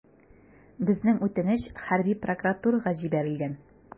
Безнең үтенеч хәрби прокуратурага җибәрелгән.